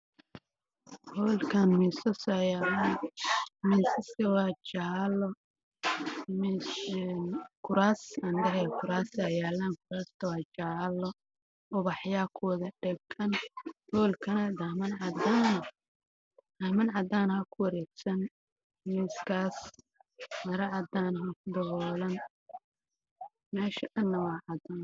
Waa hool waxaa yaalo kuraas jaale ah